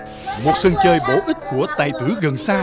một sân chơi bổ ích của tài tử gần xa